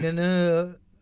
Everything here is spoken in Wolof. nee na